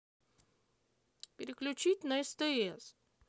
переключить на стс